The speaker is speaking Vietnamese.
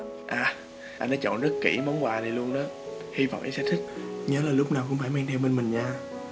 à anh đã chọn rất kĩ món quà này luôn đó hy vọng em sẽ thích nhớ là lúc nào cũng phải mang theo bên mình nha